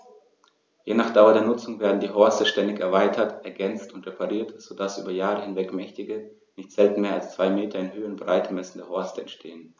Je nach Dauer der Nutzung werden die Horste ständig erweitert, ergänzt und repariert, so dass über Jahre hinweg mächtige, nicht selten mehr als zwei Meter in Höhe und Breite messende Horste entstehen.